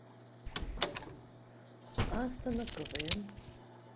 астана квн